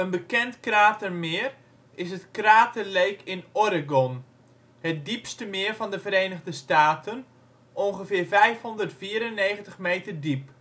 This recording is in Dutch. bekend kratermeer is het Crater Lake in Oregon, het diepste meer van de Verenigde Staten (ongeveer 594 m diep